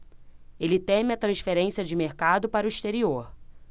ele teme a transferência de mercado para o exterior